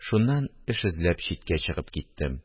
Шуннан эш эзләп читкә чыгып киттем